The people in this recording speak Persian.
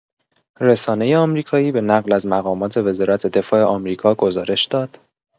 رسانه آمریکایی به نقل از مقامات وزارت دفاع آمریکا گزارش داد